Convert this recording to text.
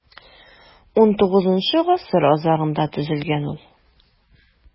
XIX гасыр азагында төзелгән ул.